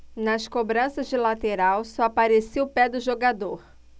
nas cobranças de lateral só aparecia o pé do jogador